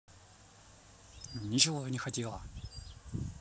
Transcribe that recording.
ничего я не хотела